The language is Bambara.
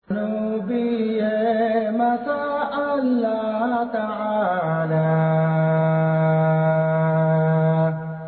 Sangɛninyan mayan taa laban